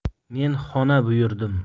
men xona buyurdim